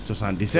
77